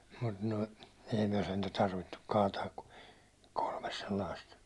mutta nuo ei me sentään tarvittu kaataa kuin kolme sellaista tuollaista koivua